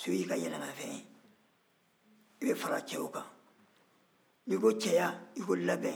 so y'i ka yɛlɛnkanfɛn ye i bɛ fara cɛw kan n'i ko cɛya i ko labɛn